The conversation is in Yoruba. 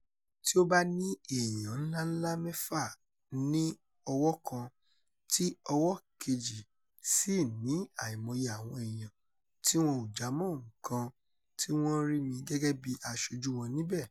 Tí o bá ní èèyàn ńláńlá mẹ́fà ní ọwọ́ kan, tí ọwọ́ kejì sì ní àìmọye àwọn èèyàn tí wọn ò jámọ́ nǹkan tí wọ́n ń rí mi gẹ́gẹ́ bí aṣojú wọn níbẹ̀.